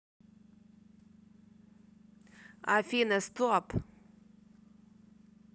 афина стоп